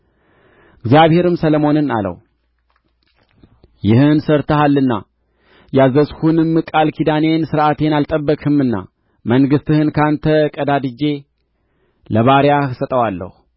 እግዚአብሔርም ሰሎሞንን አለው ይህን ሠርተሃልና ያዘዝሁህንም ቃል ኪዳኔንና ሥርዓቴን አልጠበቅህምና መንግሥትህን ከአንተ ቀዳድጄ ለባሪያህ እሰጠዋለሁ